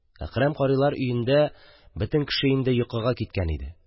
Әкрәм карыйлар өендә бөтен кеше инде йокыга киткән иде.